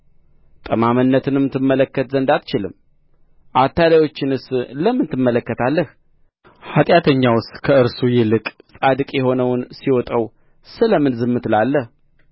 ጠማምነትንም ትመለከት ዘንድ አትችልም አታላዮችንስ ለምን ትመለከታለህ ኃጢአተኛውስ ከእርሱ ይልቅ ጻድቅ የሆነውን ሲውጠው ስለ ምን ዝም ትላለህ